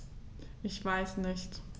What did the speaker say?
Ich weiß nicht.